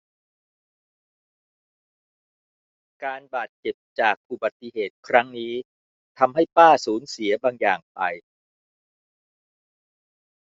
การบาดเจ็บจากอุบัติเหตุครั้งนี้ทำให้ป้าสูญเสียบางอย่างไป